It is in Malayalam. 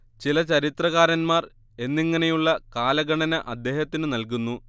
ചില ചരിത്രകാരന്മാർ എന്നിങ്ങനെയുള്ള കാലഗണന അദ്ദേഹത്തിനു നല്കുന്നു